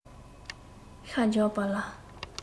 ཤ རྒྱགས པ ལ